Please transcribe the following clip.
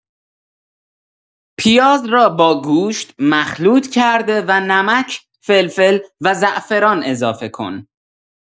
پیاز را با گوشت مخلوط کرده و نمک، فلفل و زعفران اضافه کن.